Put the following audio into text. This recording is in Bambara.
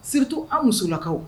Stu an musolakaw